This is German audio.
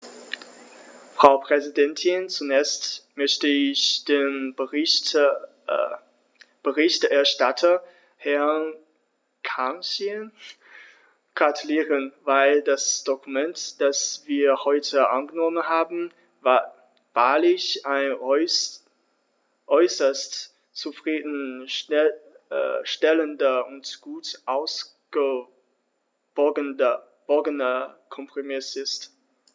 Frau Präsidentin, zunächst möchte ich dem Berichterstatter Herrn Cancian gratulieren, weil das Dokument, das wir heute angenommen haben, wahrlich ein äußerst zufrieden stellender und gut ausgewogener Kompromiss ist.